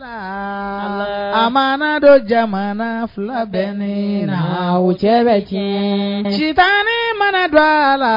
A ma dɔ jamana fila bɛ ne na wo cɛ bɛ tiɲɛ sita ne mana dɔ a la